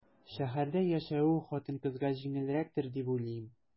Шәһәрдә яшәве хатын-кызга җиңелрәктер дип уйлыйм.